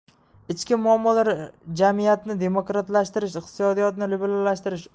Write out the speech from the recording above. ichki muammolar jamiyatni demokratlashtirish iqtisodiyotni liberallashtirish